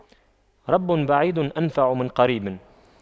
رب بعيد أنفع من قريب